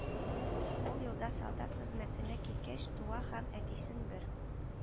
Ул елда солдат хезмәтенә киткәч туа һәм, әтисен бер